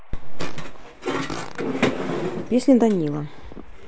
песня данила